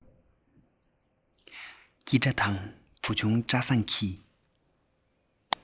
ཀི སྒྲ དང བུ ཆུང བཀྲ བཟང གི